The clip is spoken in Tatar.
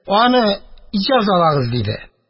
Аны җәзалагыз, – диде.